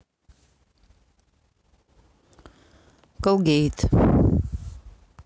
colgate